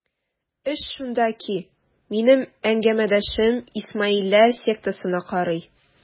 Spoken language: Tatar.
Эш шунда ки, минем әңгәмәдәшем исмаилләр сектасына карый.